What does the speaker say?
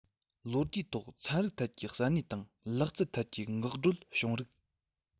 ལོ རྒྱུས ཐོག ཚན རིག ཐད ཀྱི གསར རྙེད དང ལག རྩལ ཐད ཀྱི འགག སྒྲོལ བྱུང རིགས